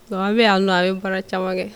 _ Donc an be yannɔ an be baara caman kɛ